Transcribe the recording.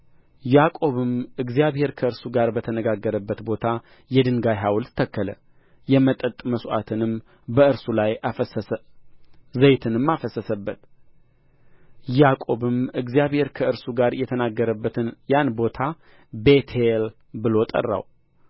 ያዕቆብም እግዚአብሔር ከእርሱ ጋር በተነጋገረበት ቦታ የድንጋይ ሐውልት ተከለ የመጠጥ መሥዋዕትንም በእርሱ ላይ አፈሰሰ ዘይትንም አፈሰሰበት ያዕቆብም እግዚአብሔር ከእርሱ ጋር የተነጋገረበትን ያን ቦታ ቤቴል ብሎ ጠራው